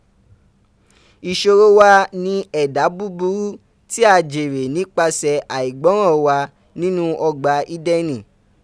Isoro wa nieda buburu ti a jere nipase aigboran wa ninu ogba Edeni.